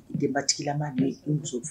Denbatigila ma dei muso fɔ